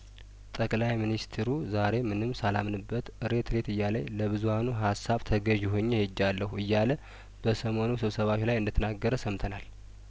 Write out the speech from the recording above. ጠቅላይ ሚኒስትሩ ዛሬ ምንም ሳላምንበት ሬት ሬት እያለኝ ለብዙሀኑ ሀሳብ ተገዥ ሆኜ ሄጃለሁ እያለ በሰሞኑ ስብሰባዎች ላይ እንደተናገረ ሰምተናል